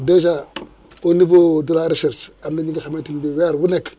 dèjà au niveau de la recherche am na ñi nga xamante ni bi weer bu nekk